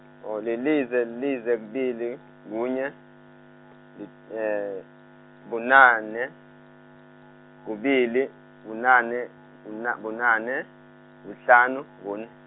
oh, lilize, lize, kubili, kunye, di- bunane, kubili, bunane, buna- bunane, kuhlanu, kune.